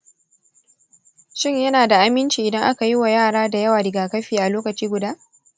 shin yana da aminci idan aka yi wa yara da yawa rigakafi a lokaci guda?